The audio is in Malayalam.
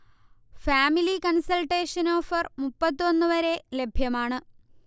ഫാമിലി കൺസൾേട്ടഷൻ ഓഫർ മുപ്പത്തൊന്ന് വരെ ലഭ്യമാണ്